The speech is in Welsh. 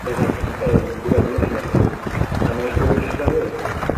Byddant yn dibynnu arnoch chi am ei holl fywyd.